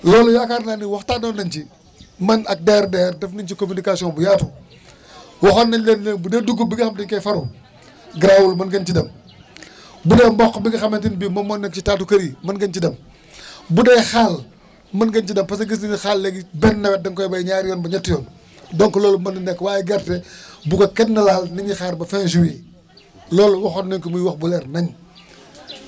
loolu yaakaar naa ne waxtaanoon nañu ci man ak DRDR def nañ ci communication bu yaatu waxoon nañ leen ne bu dee dugub bi nga xam ne dañ koy faroo garaawul mën ngeen ci dem bu dee mboq bi nga xamante ni bi moom moo nekk ci taatu kër yi mën ngeen ci dem bu dee xaal mën ngeen ci dem parce que gis nañ ne xaal léegi benn nawet dañu koy béy ñaari yoon ba ñetti yoon donc loolu mën na nekk waaye gerte bu ko kenn laal na ñuy xaar ba fin juillet loolu waxoon nañ ko muy wax bu leer naññ